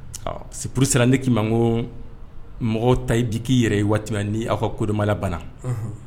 Sipuru sera ne k'i ma ko mɔgɔw ta di kkii yɛrɛ ye waati ni aw ka kodɔnmalabana